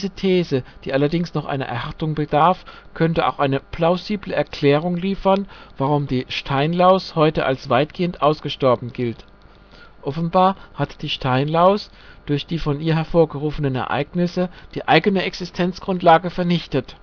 These, die allerdings noch einer Erhärtung bedarf, könnte auch eine plausible Erklärung liefern, warum die Steinlaus heute als weitgehend ausgestorben gilt. Offenbar hat die Steinlaus durch die von ihr hervorgerufenen Ereignisse die eigene Existenzgrundlage vernichtet